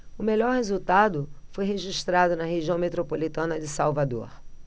o melhor resultado foi registrado na região metropolitana de salvador